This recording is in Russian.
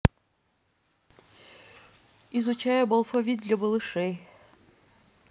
изучаем алфавит для малышей